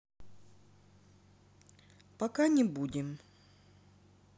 пока не будем